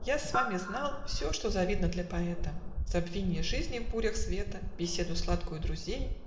Я с вами знал Все, что завидно для поэта: Забвенье жизни в бурях света, Беседу сладкую друзей.